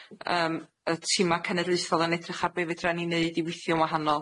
yym y tima cenedlaethol yn edrych ar be' fedran ni neud i weithio'n wahanol.